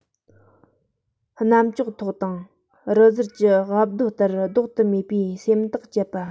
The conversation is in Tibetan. གནམ ལྕགས ཐོག དང རི གཟར གྱི རྦབ རྡོ ལྟར བཟློག ཏུ མེད པའི སེམས ཐག བཅད པ